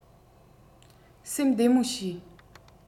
སེམས བདེ མོ བྱོས